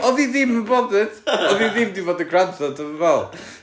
O'dd hi ddim yn bothered... o'dd hi ddim 'di bod y gwrando dwi'm yn meddwl